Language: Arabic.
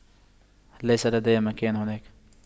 ليس لدي مكان هناك